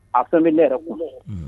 A fɛn bɛ ne yɛrɛ kun